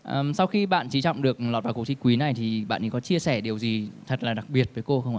ừm sau khi bạn trí trọng được lọt vào cuộc thi quý này thì bạn có chia sẻ điều gì thật là đặc biệt với cô không ạ